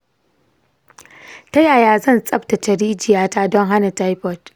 ta yaya zan tsabtace rijiya ta don hana taifoid?